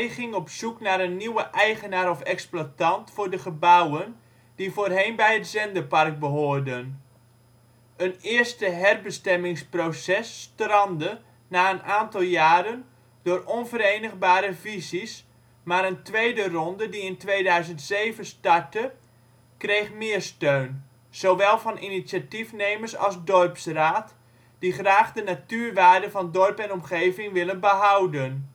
ging op zoek naar een nieuwe eigenaar/exploitant voor de gebouwen die voorheen bij het zenderpark hoorden. Een eerste herbestemmingsproces strandde na een aantal jaren door onverenigbare visies, maar een tweede ronde die in 2007 startte, kreeg meer steun, zowel van initiatiefnemers als dorpsraad, die graag de natuurwaarde van dorp en omgeving willen behouden